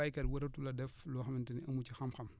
baykat waratul a def loo xamante ni amu ci xam-xam